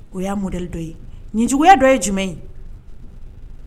O y'a modèle dɔ ye ninjuguya dɔ ye jumɛn ye